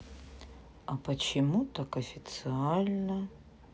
а почему так официально